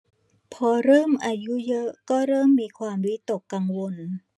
พอเริ่มอายุเยอะก็เริ่มมีความวิตกกังวล